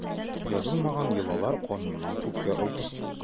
Язылмаган йолалар кануннан күпкә олы.